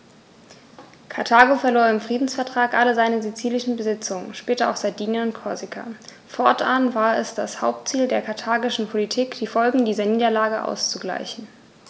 Karthago verlor im Friedensvertrag alle seine sizilischen Besitzungen (später auch Sardinien und Korsika); fortan war es das Hauptziel der karthagischen Politik, die Folgen dieser Niederlage auszugleichen.